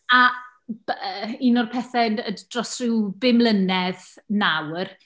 A b- yy un o'r pethe dros ryw bum mlynedd nawr...